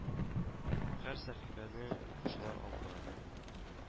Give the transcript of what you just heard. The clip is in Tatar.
Һәр сәхифәне укучылар алып бара